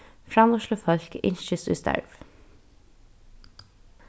framleiðslufólk ynskist í starv